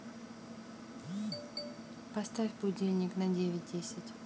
поставь будильник на девять десять